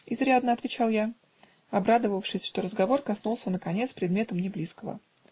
-- Изрядно, -- отвечал я, обрадовавшись, что разговор коснулся наконец предмета, мне близкого.